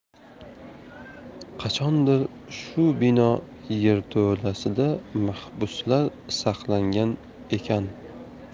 qachondir shu bino yerto'lasida mahbuslar saqlangan ekan